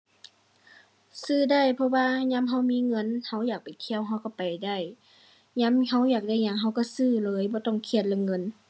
ซื้อได้ เพราะว่ายามเรามีเงิน เราอยากไปเที่ยว เราเราไปได้ ยามเราอยากได้หยัง เราเราซื้อเลยบ่ต้องเครียดเรื่องเงิน